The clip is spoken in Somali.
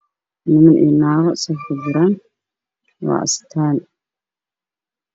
Niman iyo naago saf kujiraan waa astaan